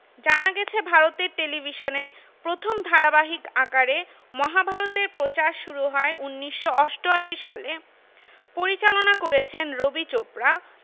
জানা গেছে ভারতের টেলিভিশনে প্রথম ধারাবাহিক আকারে মহাভারত এর প্রচার শুরু হয় ১৯৮৮ সালে পরিচালনা করেছেন রবি চোপড়া